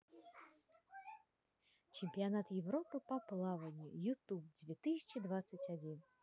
чемпионат европы по плаванию youtube две тысячи двадцать один